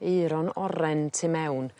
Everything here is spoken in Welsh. aeron oren tu mewn